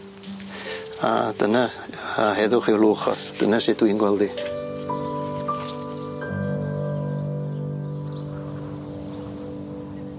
A dyna a heddwch i'w lwch o dyna sut dwi'n gweld hi.